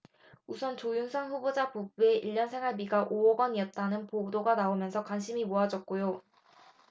우선 조윤선 후보자 부부의 일 년 생활비가 오 억 원이었다는 보도가 나오면서 관심이 모아졌고요